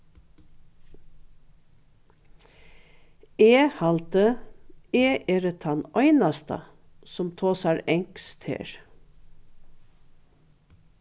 eg haldi eg eri tann einasta sum tosar enskt her